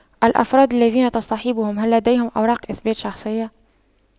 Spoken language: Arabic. الأفراد الذين تصطحبهم هل لديهم أوراق اثبات شخصية